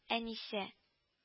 Әнисе